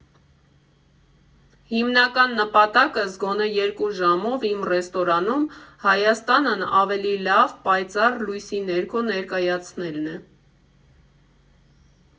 Հիմնական նպատակս գոնե երկու ժամով իմ ռեստորանում Հայաստանն ավելի լավ, պայծառ լույսի ներքո ներկայացնելն է։